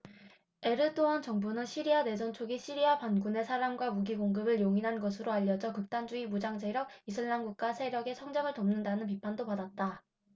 에르도안 정부는 시리아 내전 초기 시리아 반군에 사람과 무기 공급을 용인한 것으로 알려져 극단주의 무장세력 이슬람국가 세력의 성장을 돕는다는 비판도 받았다